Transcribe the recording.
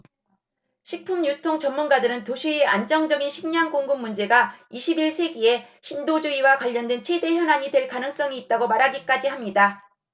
식품 유통 전문가들은 도시의 안정적인 식량 공급 문제가 이십 일 세기에 인도주의와 관련된 최대 현안이 될 가능성이 있다고 말하기까지 합니다